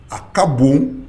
A ka bon